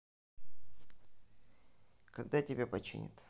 когда тебя починят